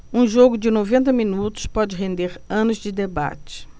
um jogo de noventa minutos pode render anos de debate